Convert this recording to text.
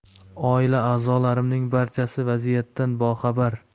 oila a'zolarimning barchasi vaziyatdan boxabar